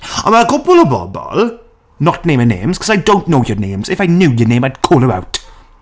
Ond ma' cwpwl o bobl not naming names because I don't know your names. If I knew your names, I'd call you out!